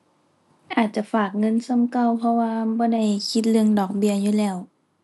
อาจจะฝากเงินส่ำเก่า เพราะว่าบ่ได้คิดเรื่องดอกเบี้ยอยู่แล้ว